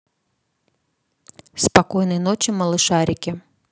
спокойной ночи малышарики